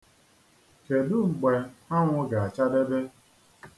Kedu mgbe anwụ ga-achadebe?